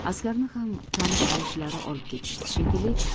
askarni ham tanish bilishlari olib ketishdi shekilli